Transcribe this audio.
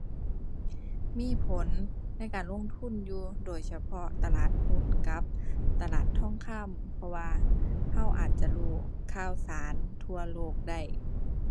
มีผลในการลงทุนอยู่ โดยเฉพาะตลาดหุ้นกับตลาดทองคำ เพราะว่าเราอาจจะรู้ข่าวสารทั่วโลกได้